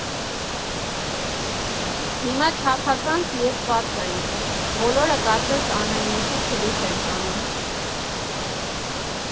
Հիմա չափազանց եփված ենք, բոլորը կարծես ամեն ինչից գլուխ են հանում։